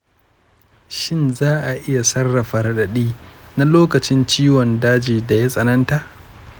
shin za a iya sarrafa radadi na lokacin ciwon daji da ya tsananta?